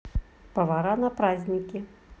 повара на праздники